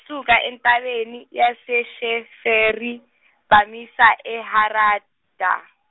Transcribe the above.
suka entabeni yaseSheferi bamisa eHarada.